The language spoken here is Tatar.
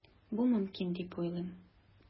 Бу мөмкин дип уйлыйм.